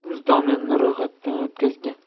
uz domenini ro'yxatdan o'tkazgan